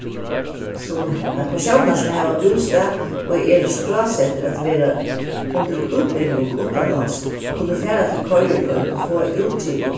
persónar sum hava bústað og eru skrásettir at vera undir útbúgving uttanlands kunnu fara til koyriroynd og fáa útgivið